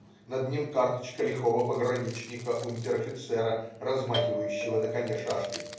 Над ним карточка лихого пограничника унтер-офицера, размахивающего на коне шашкой.